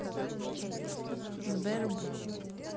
sber в